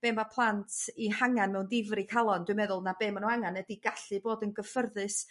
be' ma' plant 'u hangan mewn difri calon dwi'n meddwl ma' be' ma' nhw angan ydi gallu bod yn gyffyrddus